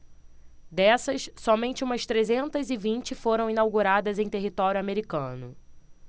dessas somente umas trezentas e vinte foram inauguradas em território americano